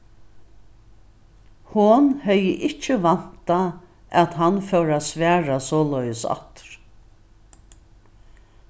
hon hevði ikki væntað at hann fór at svara soleiðis aftur